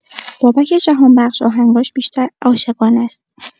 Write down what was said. بابک جهانبخش آهنگاش بیشتر عاشقانه‌ست.